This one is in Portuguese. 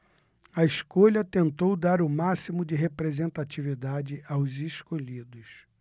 a escolha tentou dar o máximo de representatividade aos escolhidos